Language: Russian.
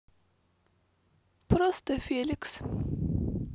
просто феликс